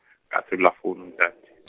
ka cellular founu ntate .